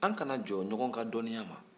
an kana jɔ ɲɔgɔn ka dɔnniya ma